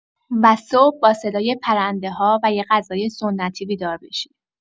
و صبح با صدای پرنده‌ها و یه غذای سنتی بیدار بشی.